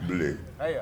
Don